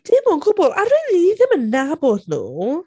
Dim o gwbl a rili ni ddim yn nabod nhw.